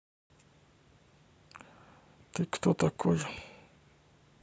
ты кто такой